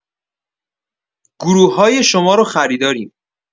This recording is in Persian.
گروه‌های شما رو خریداریم.